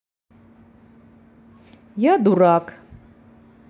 я дурак